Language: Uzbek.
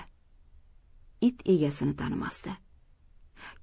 it egasini tanimasdi